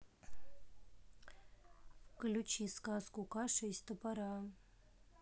включи сказку каша из топора